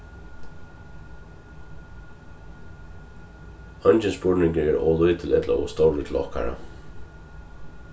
eingin spurningur er ov lítil ella ov stórur til okkara